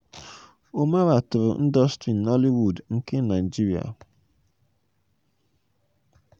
Omarah toro ndọstrị Nollywood nke Naịjirịa.